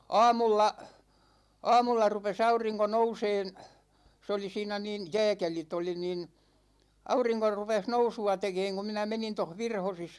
aamulla aamulla rupesi aurinko nousemaan se oli siinä niin jääkelit oli niin aurinko rupesi nousua tekemään kun minä menin tuossa Virhosissa